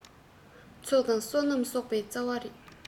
ཚོགས དང བསོད ནམས གསོག པའི རྩ བ རེད